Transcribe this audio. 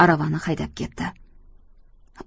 aravani haydab ketdi